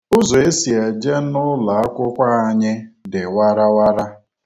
Ụzọ e si eje n'ụlọ akwụkwọ anyị dị warawara.